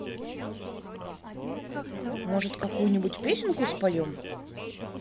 может какую нибудь песенку споем